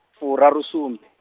furarusumbi.